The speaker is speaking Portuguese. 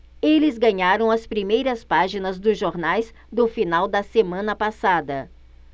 eles ganharam as primeiras páginas dos jornais do final da semana passada